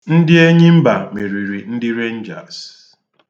Ndị Enyimba meriri ndị Renjas.